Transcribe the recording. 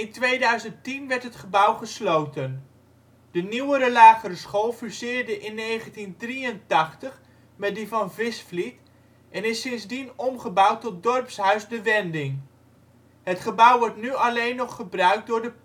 2010 werd het gebouw gesloten. De nieuwere lagere school fuseerde in 1983 met die van Visvliet en is sindsdien omgebouwd tot dorpshuis ' De Wending '. Het gebouw wordt nu alleen nog gebruikt door de